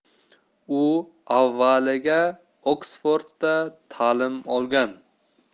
u avvaliga oksfordda ta'lim olgan